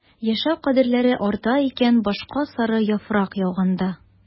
Яшәү кадерләре арта икән башка сары яфрак яуганда...